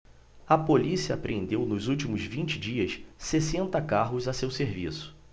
a polícia apreendeu nos últimos vinte dias sessenta carros a seu serviço